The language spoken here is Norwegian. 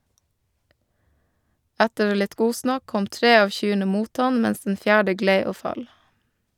Etter litt godsnakk kom tre av kyrne mot han, mens den fjerde glei og fall.